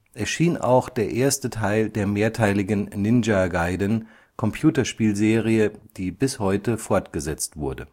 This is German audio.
erschien auch der erste Teil der mehrteiligen Ninja Gaiden-Computerspiel-Serie, die bis heute fortgesetzt wurde